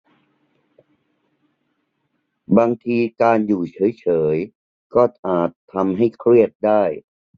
บางทีการอยู่เฉยเฉยก็อาจทำให้เครียดได้